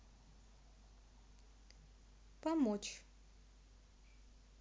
помочь